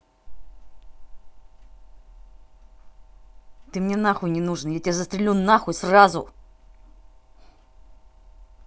ты мне нахуй не нужен я тебя застрелю нахуй сразу